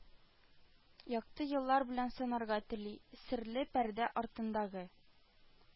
Якты еллар белән санарга тели, серле пәрдә артындагы